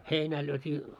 heinää lyötiin